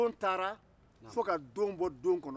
u taara fo ka don bɔ don kɔnɔ